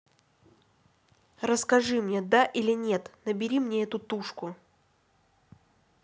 расскажи мне да или нет набери мне эту тушку